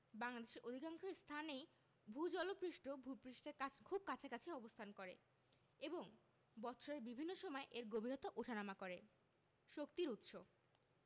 বাংলাদেশের অধিকাংশ স্থানেই ভূ জল পৃষ্ঠ ভূ পৃষ্ঠের কাছ খুব কাছাকাছি অবস্থান করে এবং বৎসরের বিভিন্ন সময় এর গভীরতা উঠানামা করে শক্তির উৎসঃ